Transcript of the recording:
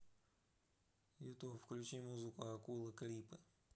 ютуб включи музыку акула клипы